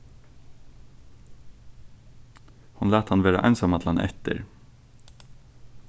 hon læt hann vera einsamallan eftir